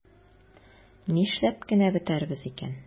Нишләп кенә бетәрбез икән?